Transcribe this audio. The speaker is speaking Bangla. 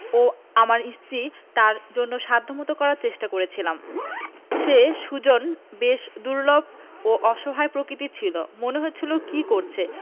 ও আমার স্ত্রী তাঁর জন্য সাধ্যমতো করার চেষ্টা করেছিলাম সে সুজন বেশ দুর্বল ও অসহায় প্রকৃতির ছিল মনে হচ্ছিল কী করছে